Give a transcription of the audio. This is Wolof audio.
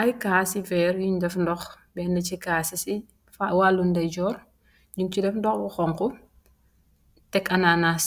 Ai kasu wer nyteta benen bi nyun fa def ndoh bu khonku def